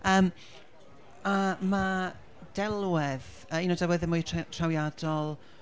Yym a ma' delwedd yy un o'r delweddau mwya' tr- trawiadol...